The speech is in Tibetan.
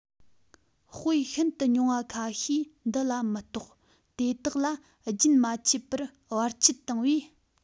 དཔེ ཤིན ཏུ ཉུང བ ཁ ཤས འདི ལ མི གཏོགས དེ དག ལ རྒྱུན མ ཆད པར བར ཆད བཏང བས